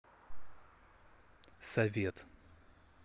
совет